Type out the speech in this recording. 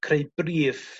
creu briff